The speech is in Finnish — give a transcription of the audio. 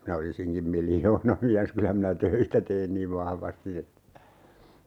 minä olisinkin miljoonamies kyllä minä töitä tein niin vahvasti että